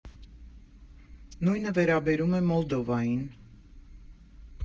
Նույնը վերաբերում է Մոլդովային։